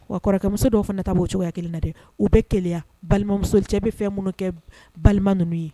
Wa kɔrɔkɛmuso dɔw fana taa oo cogoyaya kelen na dɛ u bɛ gɛlɛyaya balimamuso cɛ bɛ fɛn minnu kɛ balima ninnu ye